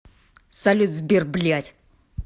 салют сбер блядь